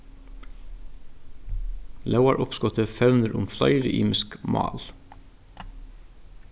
lógaruppskotið fevnir um fleiri ymisk mál